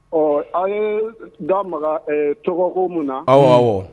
Ɔ an ye n ka maga tɔgɔgo munna na aw